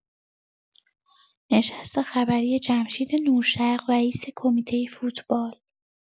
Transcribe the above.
نشست خبری جمشید نورشرق رییس کمیتۀ فوتبال